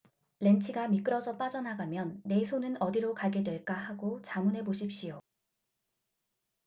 렌치가 미끄러져 빠져나가면 내 손은 어디로 가게 될까 하고 자문해 보십시오